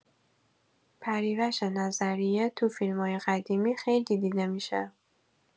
پریوش نظریه تو فیلمای قدیمی خیلی دیده می‌شه.